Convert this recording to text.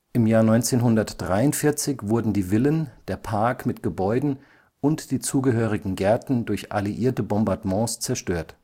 1943 wurden die Villen, der Park mit Gebäuden und die zugehörigen Gärten durch alliierte Bombardements zerstört